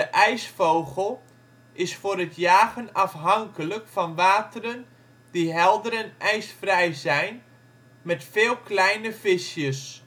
ijsvogel is voor het jagen afhankelijk van wateren die helder en ijsvrij zijn met veel kleine visjes